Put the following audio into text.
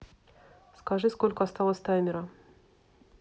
скажи сколько осталось таймера